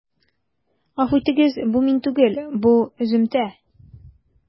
Гафу итегез, бу мин түгел, бу өземтә.